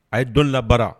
A ye dɔnni labaa